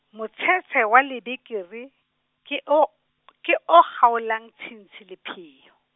motshetshe wa lebekere, ke o , ke o kgaolang tshintshi lepheyo.